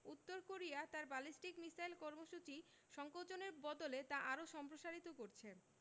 উত্তর কোরিয়া তার ballistic missile কর্মসূচি সংকোচনের বদলে তা আরও সম্প্রসারিত করছে